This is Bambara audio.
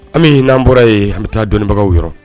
An n'an bɔra yen an bɛ taa dɔnnibagaw yɔrɔ